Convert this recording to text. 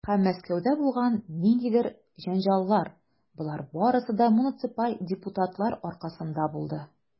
Һәм Мәскәүдә булган ниндидер җәнҗаллар, - болар барысы да муниципаль депутатлар аркасында булды.